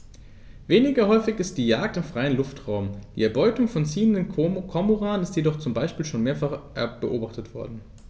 Weniger häufig ist die Jagd im freien Luftraum; die Erbeutung von ziehenden Kormoranen ist jedoch zum Beispiel schon mehrfach beobachtet worden.